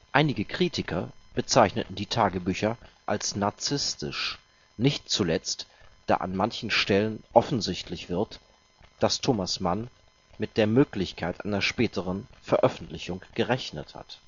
Einige Kritiker bezeichneten die Tagebücher als narzisstisch, nicht zuletzt, da an manchen Stellen offensichtlich wird, dass Thomas Mann mit der Möglichkeit einer späteren Veröffentlichung gerechnet hat